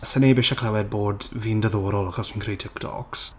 'Sa neb eisiau clywed bod fi'n ddiddorol achos fi'n creu TikToks.